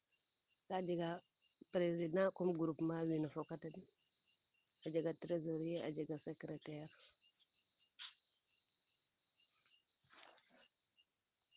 yaam ko heure i cooxtu yo wo fe saq na caabi ne xano almende el de fo we na ngara tamit heure a njeguyo de quatre heure pil a fada nga